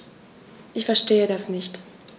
Ich verstehe das nicht.